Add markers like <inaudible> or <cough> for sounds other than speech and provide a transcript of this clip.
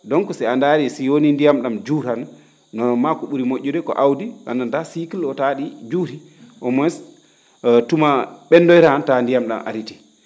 donc si a ndaarii si wonii ndiyam ?am juurat normalement ko ?uri mo??ude ko aawdi ndi ngadantaa cycle o taa ?i juuri au moins <hesitation> tuma ?enndoyra han taa ndiyam ?am aritii